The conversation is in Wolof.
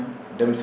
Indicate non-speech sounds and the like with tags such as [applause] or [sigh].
[hesitation] [hesitation]